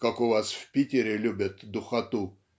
"Как у вас в Питере любят духоту!